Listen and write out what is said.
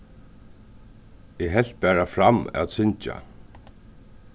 eg helt bara fram at syngja